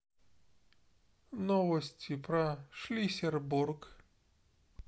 новости про шлисербург